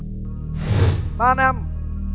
ba năm